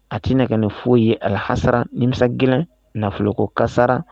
A tɛ nɛgɛ nin foyi ye al-hasara nimisa gɛlɛn nafolo ko kasara